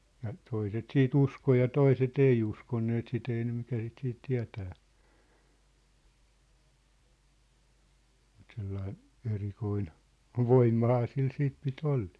ja toiset sitten uskoi ja toiset ei uskoneet sitä ei ne mikä sitä sitten tietää mutta sellainen erikoinen voimahan sillä sitten piti olla